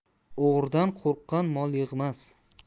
o'g'ridan qo'rqqan mol yig'mas